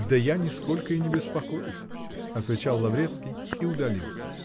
-- Да я нисколько и не беспокоюсь, -- отвечал Лаврецкий и удалился.